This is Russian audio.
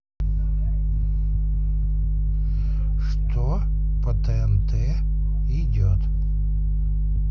что по тнт идет